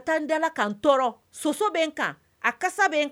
Tan dala kan tɔɔrɔ asa kan